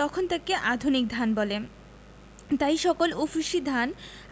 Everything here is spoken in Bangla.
তখন তাকে আধুনিক ধান বলে তাই সকল উফশী ধান